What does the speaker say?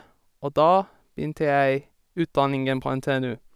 Og da begynte jeg utdanningen på NTNU.